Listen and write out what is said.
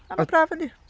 Mae'n braf yndi?